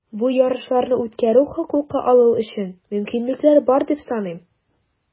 Бу ярышларны үткәрү хокукы алу өчен мөмкинлекләр бар, дип саныйм.